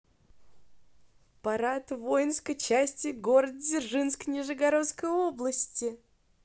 парад воинской части город дзержинск нижегородской области